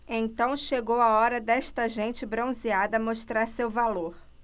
então chegou a hora desta gente bronzeada mostrar seu valor